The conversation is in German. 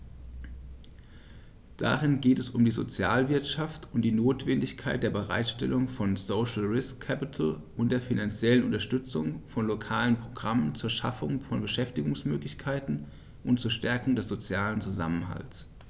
Darin geht es um die Sozialwirtschaft und die Notwendigkeit der Bereitstellung von "social risk capital" und der finanziellen Unterstützung von lokalen Programmen zur Schaffung von Beschäftigungsmöglichkeiten und zur Stärkung des sozialen Zusammenhalts.